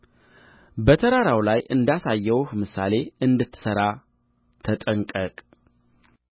በተራራ ላይ እንዳሳየሁህ ምሳሌ እንድትሠራ ተጠንቀቅ